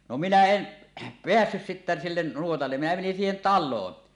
no minä en päässyt sitten sille nuotalle minä menin siihen taloon